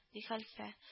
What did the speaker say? Ди хәлфә